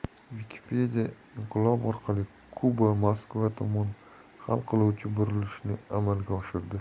wikipediainqilob orqali kuba moskva tomon hal qiluvchi burilishni amalga oshirdi